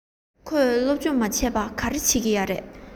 ཁོས སློབ སྦྱོང མ བྱས པར ག རེ བྱེད ཀྱི ཡོད རས